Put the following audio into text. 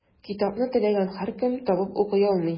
Китапны теләгән һәркем табып укый алмый.